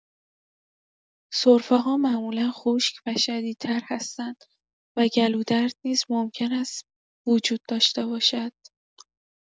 سرفه‌ها معمولا خشک و شدیدتر هستند و گلودرد نیز ممکن است وجود داشته باشد.